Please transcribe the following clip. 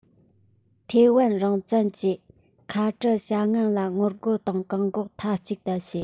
ཐའེ ཝན རང བཙན གྱི ཁ འབྲལ བྱ ངན ལ ངོ རྒོལ དང བཀག འགོག མཐའ གཅིག ཏུ བྱས